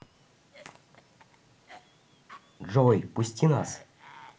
джой пусти нас